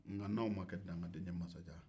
nka n'anw makɛ dankaden ye masajan